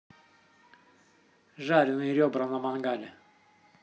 жареные ребра на мангале